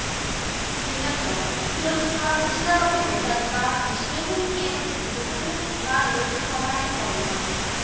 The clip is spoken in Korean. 김현정 그러니까 두 시간밖에 못 자니까 정신이 혼미해서 죽음을 선택했구나 이런 생각을 하신 거예요